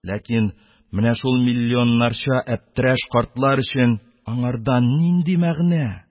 Ләкин менә шул миллионнарча Әптерәш картлар өчен аңардан нинди мәгънә?